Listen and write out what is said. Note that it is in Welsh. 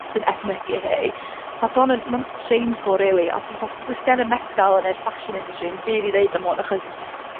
sy'n edmygu hi, ma' bron yn ma'n shameful rili. A fatha does gen y Met gala neu'r fashion industry 'im byd i ddeud am hwn achos,